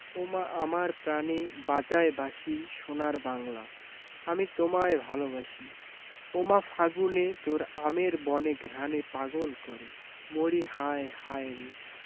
ওমা আমার প্রানে বাজায় বাঁশি সোনার বাংলা আমি তোমায় ভালোবাসি ওমা ফাগুনে তোর আমের বনে ঘ্রাণে পাগল করে মরিহায় হায়রে